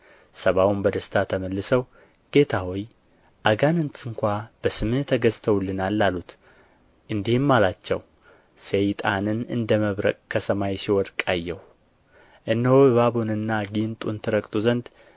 ሰብዓውም በደስታ ተመልሰው ጌታ ሆይ አጋንንት ስንኳ በስምህ ተገዝተውልናል አሉት እንዲህም አላቸው ሰይጣንን እንደ መብረቅ ከሰማይ ሲወድቅ አየሁ እነሆ እባቡንና ጊንጡን ትረግጡ ዘንድ